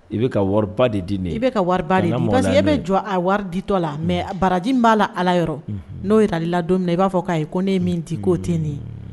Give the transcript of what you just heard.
I bɛ ka wari ba de di nin ye; i bɛ ka wari ba de di a lamɔ na n'a ye; parce que e bɛ jɔn a wari ditɔ la mais baraji min b'a la Ala yɔrɔ n'o jirali la don min na, i b'a fɔ ayi ko ne ye min di k'o tɛ nin ye